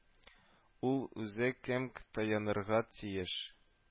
Ул үзе кемг таянырга тиеш